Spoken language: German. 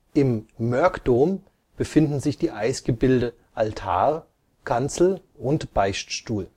Im Mörkdom befinden sich die Eisgebilde Altar, Kanzel und Beichtstuhl